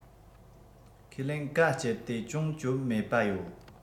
ཁས ལེན གཱ སྤྱད དེ ཅུང གྱོང མེད པ ཡོད